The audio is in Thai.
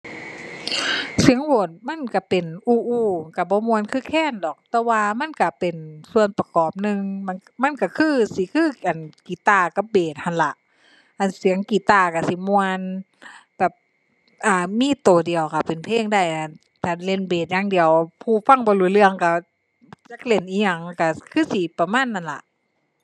เสียงโหวดมันก็เป็นอู้อู้ ก็บ่ม่วนคือแคนดอก แต่ว่ามันก็เป็นส่วนประกอบหนึ่ง มัน มันก็คือ สิคือ อั่น กีตาร์กับเบสหั้นล่ะ อั่น เสียงกีตาร์ก็สิม่วน แบบ อ่า มีก็เดียวก็เป็นเพลงได้ ถ้าเล่นเบสอย่างเดียวผู้ฟังบ่รู้เรื่องก็ จักเล่นอิหยังก็คือสิประมาณนั้นล่ะ